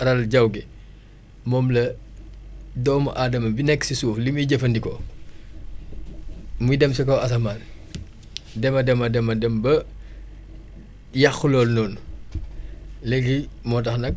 aaral jaww gi moom la doomu Adama bi nekk si suuf li muy jëfandikoo muy dem si kaw asamaan dafa dem a dem a dem ba yàq loolu noonu léegi moo tax nag